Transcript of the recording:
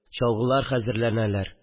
Чалгылар хәзерләнәләр